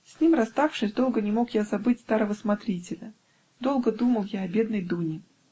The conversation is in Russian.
С ним расставшись, долго не мог я забыть старого смотрителя, долго думал я о бедной Дуне.